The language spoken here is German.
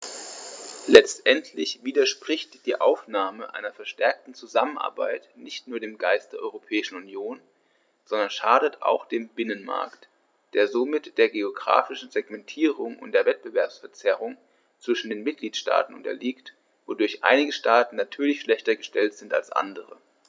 Letztendlich widerspricht die Aufnahme einer verstärkten Zusammenarbeit nicht nur dem Geist der Europäischen Union, sondern schadet auch dem Binnenmarkt, der somit der geographischen Segmentierung und der Wettbewerbsverzerrung zwischen den Mitgliedstaaten unterliegt, wodurch einige Staaten natürlich schlechter gestellt sind als andere.